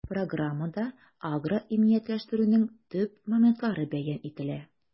Программада агроиминиятләштерүнең төп моментлары бәян ителә.